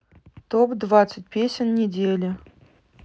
топ двадцать песен недели